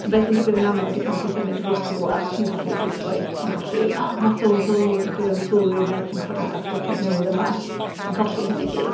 So be sy'n digwydd yn aml ydy pan ti'n symud o'r wrth rhywle, ti'n colli'r rhwydwaith, ti'n colli "O, mae so and so yn chwilio am swydd," neu ti'n gwybod am y datblygiad newydd yma, ti'n colli hynny i gyd.